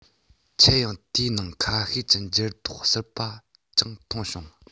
ཁྱེད ཡང དེའི ནང ཁ ཤས ཀྱི འགྱུར ལྡོག གསར པ ཀྱང མཐོང བྱུང